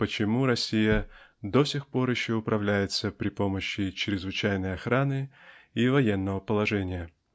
почему Россия до сих пор еще управляется при помощи чрезвычайной охраны и военного положения.